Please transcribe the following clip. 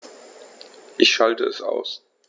Ich schalte es aus.